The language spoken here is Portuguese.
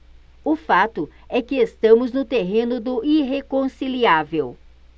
o fato é que estamos no terreno do irreconciliável